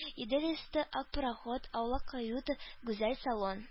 Идел өсте, ак пароход, аулак каюта, гүзәл салон